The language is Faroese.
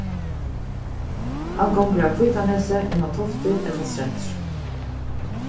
hann gongur av hvítanesi inn á toftir ella strendur